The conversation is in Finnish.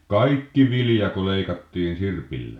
kaikki viljako leikattiin sirpillä